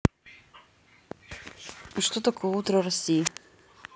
что такое утро россии